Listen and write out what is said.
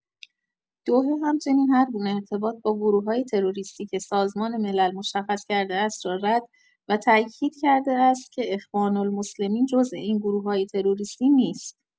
دوحه همچنین هرگونه ارتباط با گروه‌های تروریستی که سازمان ملل مشخص کرده است، را رد و تاکید کرده است که اخوان‌المسلمین جزء این گروه‌های تروریستی نیست.